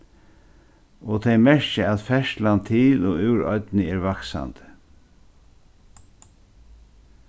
og tey merkja at ferðslan til og úr oynni er vaksandi